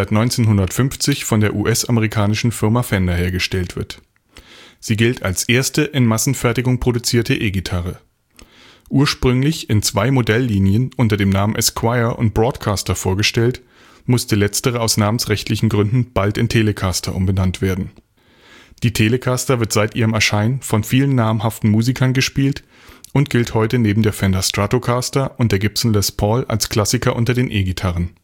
1950 von der US-amerikanischen Firma Fender hergestellt wird. Sie gilt als erste in Massenfertigung produzierte E-Gitarre. Ursprünglich in zwei Modelllinien unter den Namen Esquire und Broadcaster vorgestellt, musste letztere aus namensrechtlichen Gründen bald in Telecaster umbenannt werden. Die Telecaster wird seit ihrem Erscheinen von vielen namhaften Musikern gespielt und gilt heute neben der Fender Stratocaster und der Gibson Les Paul als Klassiker unter den E-Gitarren